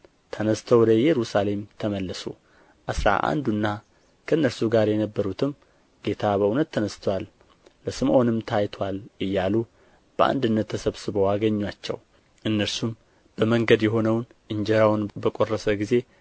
ተነሥተው ወደ ኢየሩሳሌም ተመለሱ አሥራ አንዱና ከእነርሱ ጋር የነበሩትም ጌታ በእውነት ተነሥቶአል ለስምዖንም ታይቶአል እያሉ በአንድነት ተሰብስበው አገኙአቸው እነርሱም በመንገድ የሆነውን እንጀራውንም በቈረሰ ጊዜ